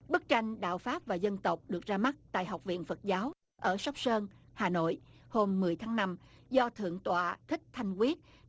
bức tranh đạo pháp và dân tộc được ra mắt tại học viện phật giáo ở sóc sơn hà nội hôm mười tháng năm do thượng tọa thích thanh quyết